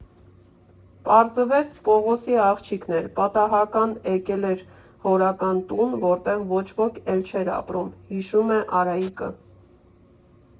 Պարզվեց՝ Պողոսի աղջիկն էր, պատահական եկել էր հորական տուն, որտեղ ոչ ոք էլ չէր ապրում», ֊ հիշում է Արայիկը։